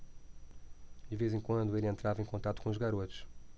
de vez em quando ele entrava em contato com os garotos